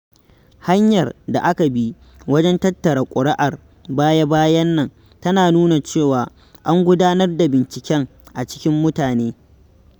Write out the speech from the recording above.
Hanyar da aka bi wajen tattara ƙuri'ar baya-bayan nan ta nuna cewa, an gudanar da binciken a cikin mutane.